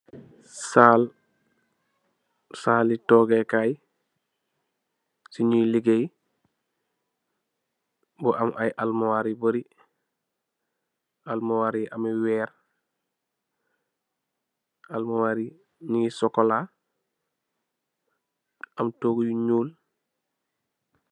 Sall, salli toogé kay, si ñuy ligay , bu am ay armuar , armuar yu barri, armuar am ay weer, armuari ñu ngi socola, am tóogu yu ñul.